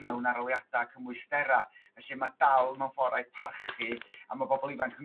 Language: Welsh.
mewn ar'oliada' cymwystera' felly ma' dal mewn ffor' a'i parchu a ma' bobol ifanc yn